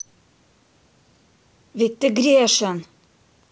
ведь ты грешен